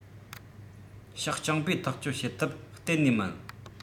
ཕྱོགས རྐྱང པས ཐག གཅོད བྱེད ཐུབ གཏན ནས མིན